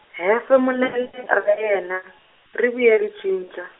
hefemulela ra yena, ri vuye ri cinca.